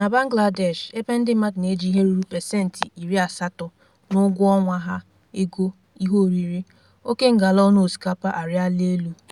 Na Bangladesh, ébé ndị mmadụ na-eji ihe ruru paseniti iri asatọ (80%) n'ụgwọ ọnwa ha ego ihe oriri, oke ngalaọnụ osikapa arịala elu.